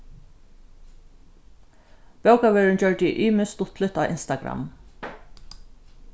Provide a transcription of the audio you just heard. bókavørðurin gjørdi ymiskt stuttligt á instagram